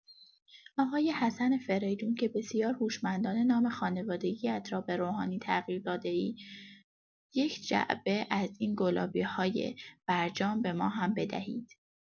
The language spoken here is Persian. آقای حسن فریدون که بسیار هوشمندانه نام خانوادگی‌ات را به روحانی تغییر داده‌ای، یک جعبه از این گلابی‌های برجام به ما هم بدهید!